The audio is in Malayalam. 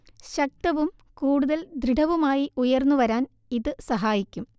ശക്തവും കൂടുതൽ ദൃഡവുമായി ഉയർന്നു വരാൻ ഇത് സഹായിക്കും